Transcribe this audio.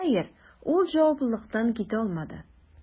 Хәер, ул җаваплылыктан китә алмады: